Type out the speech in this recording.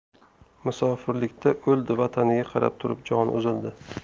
musofirlikda o'ldi vataniga qarab turib joni uzildi